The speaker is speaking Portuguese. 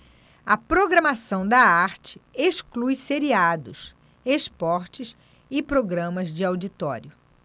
a programação da arte exclui seriados esportes e programas de auditório